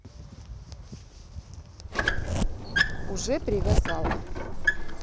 уже привязала